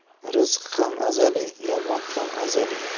rizq ham azaliy yomon ham azaliy